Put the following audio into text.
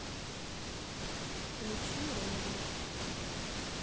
включи ролик